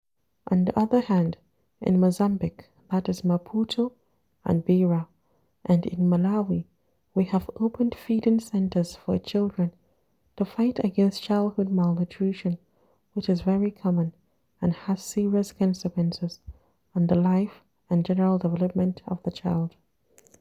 On the other hand, in Mozambique (Maputo and Beira) and in Malawi we have opened feeding centres for children to fight against childhood malnutrition, which is very common and has serous consequences on the life and general development of the child.